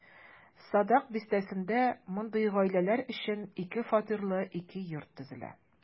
Садак бистәсендә мондый гаиләләр өчен ике фатирлы ике йорт төзелә.